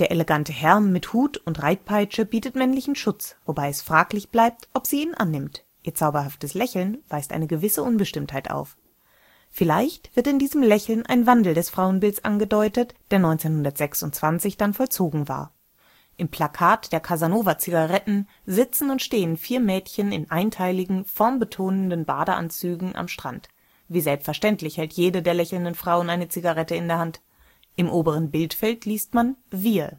elegante Herr mit Hut und Reitpeitsche bietet männlichen Schutz, wobei es fraglich bleibt, ob sie ihn annimmt. Ihr zauberhaftes Lächeln weist eine gewisse Unbestimmtheit auf. Vielleicht wird in diesem Lächeln ein Wandel des Frauenbildes angedeutet, der 1926 dann vollzogen war. Im Plakat der „ Casanova Zigaretten “sitzen und stehen vier Mädchen in einteiligen formbetonenden Badeanzügen am Strand. Wie selbstverständlich hält jede der lächelnden Frauen eine Zigarette in der Hand. Im oberen Bildfeld liest man „ Wir